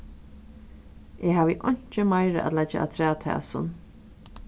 eg havi einki meira at leggja afturat hasum